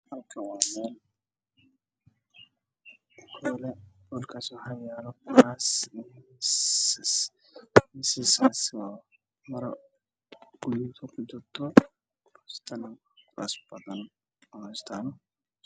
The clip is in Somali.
Meeshan waa qol waxaa yaalla miis iyo kuraas miiska waxaa saaran mara guduudan